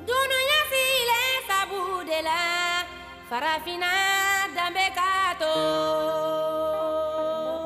Dununya hakili le faugu de la farafin danbe bɛ ka so